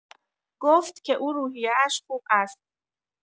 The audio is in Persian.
گفت که او روحیه‌اش خوب است.